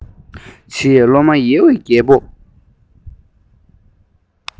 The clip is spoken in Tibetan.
བྱིས བློ མ ཡལ བའི རྒད པོ